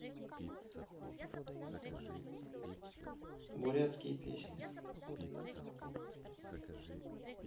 бурятские песни